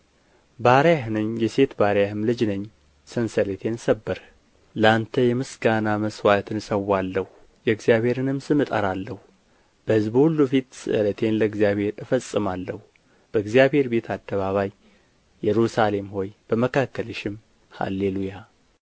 ባሪያህ ነኝ የሴት ባሪያህም ልጅ ነኝ ሰንሰለቴን ሰበርህ ለአንተ የምስጋና መሥዋዕትን እሠዋለሁ የእግዚአብሔርንም ስም እጠራለሁ በሕዝቡ ሁሉ ፊት ስእለቴን ለእግዚአብሔር እፈጽማለሁ በእግዚአብሔር ቤት አደባባይ ኢየሩሳሌም ሆይ በመካከልሽም ሃሌሉያ